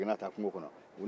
waraw seginna ka taa kungo kɔnɔ